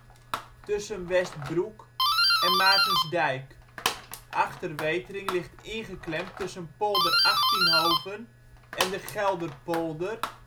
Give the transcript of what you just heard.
tussen Westbroek en Maartensdijk. Achterwetering ligt ingeklemd tussen Polder Achttienhoven en de Gelderpolder